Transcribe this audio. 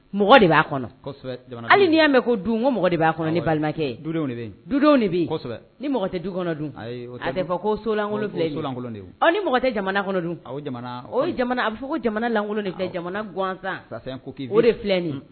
Mɔgɔ de b'a kɔnɔ hali'i y'a mɛn ko mɔgɔ de b'a ni balimakɛ du a ko solankolonkolon jamana a bɛ fɔ ko jamana lankolon jamana gansan o filɛ